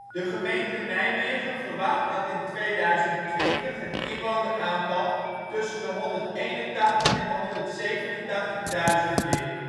De gemeente Nijmegen verwacht dat in 2020 het inwoneraantal tussen 181.000 en 187.000 ligt